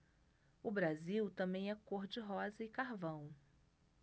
o brasil também é cor de rosa e carvão